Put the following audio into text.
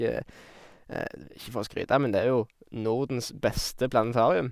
Ikke for å skryte, men det er jo Nordens beste planetarium.